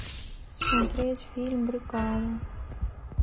смотреть фильм бригада